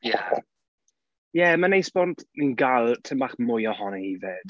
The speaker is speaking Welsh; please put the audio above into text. Ie. Ie, mae'n neis bod ni'n gael tipyn bach mwy ohono hi 'fyd.